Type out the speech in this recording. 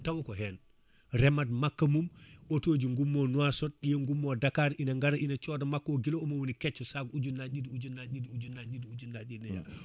taw ko hen reemat makka mum auto ji gummo Nouakchott ɗiya gummo Dakar ina gara ina cooda makka o guila omo woni kecco sac ujunnaje ɗiɗi ujunnaje ɗiɗi ujunnaje ɗiɗi ujunnaje ɗiɗi